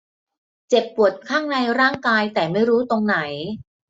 เจ็บปวดข้างในร่างกายแต่ไม่รู้ตรงไหน